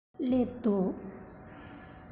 སླེབས འདུག